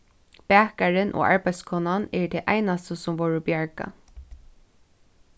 bakarin og arbeiðskonan eru tey einastu sum vórðu bjargað